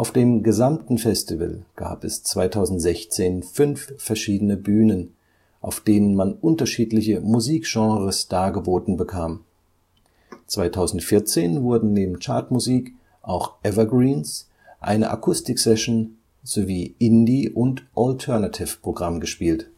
dem gesamten Festival gab es 2016 fünf verschiedene Bühnen, auf denen man unterschiedliche Musikgenres dargeboten bekam. 2014 wurden neben Chartmusik auch Evergreens, eine Akustik-Session sowie Indie - und Alternative-Programm gespielt